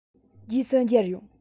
རྗེས སུ མཇལ ཡོང